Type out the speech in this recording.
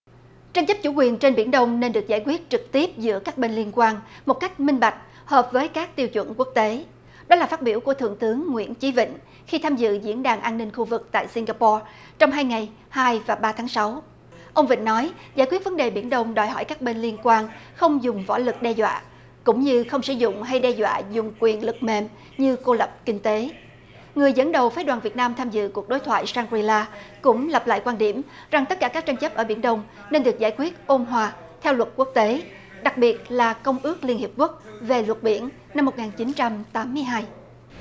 tranh chấp chủ quyền trên biển đông nên được giải quyết trực tiếp giữa các bên liên quan một cách minh bạch hợp với các tiêu chuẩn quốc tế đó là phát biểu của thượng tướng nguyễn chí vịnh khi tham dự diễn đàn an ninh khu vực tại sing ga po trong hai ngày hai và ba tháng sáu ông vịnh nói giải quyết vấn đề biển đông đòi hỏi các bên liên quan không dùng võ lực đe dọa cũng như không sử dụng hay đe dọa dùng quyền lực mềm như cô lập kinh tế người dẫn đầu phái đoàn việt nam tham dự cuộc đối thoại sang ri la cũng lặp lại quan điểm rằng tất cả các tranh chấp ở biển đông nên được giải quyết ôn hòa theo luật quốc tế đặc biệt là công ước liên hiệp quốc về luật biển năm một nghìn chín trăm tám mươi hai